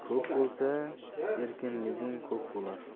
bo'lsa erkinliging ko'p bo'lar